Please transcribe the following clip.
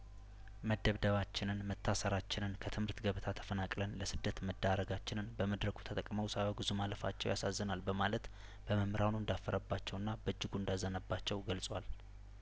መደብደባችንን መታሰራችንን ከትምህርት ገበታ ተፈናቅለን ለስደት መዳረጋችንን በመድረኩ ተጠቅመው ሳያወግዙ ማለፋቸው ያሳዝናል በማለት በመምህራኑ እንዳፈረባቸውና በእጅጉ እንዳዘነባቸው ገልጿል